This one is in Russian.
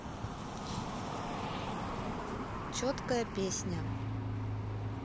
четкая песня